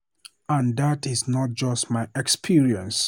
And that is not just my experience.